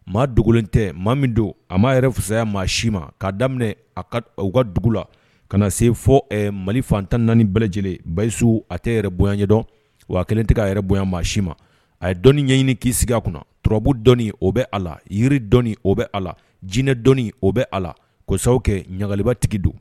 Maa dogolen tɛ maa min don a ma yɛrɛ fisaya maa si ma k'a daminɛ a ka u ka dugu la ka na se fɔ mali fantan naani bɛɛ lajɛlen basiz a tɛ yɛrɛ bonya yedɔn wa a kɛlen taga yɛrɛ bonya maa si ma a ye dɔni ɲɛɲini k'i sigi a kunna tbu dɔni o bɛ a la yiri dɔn o bɛ a la jinɛ dɔ o bɛ a la kosa kɛ ɲagagalibatigi don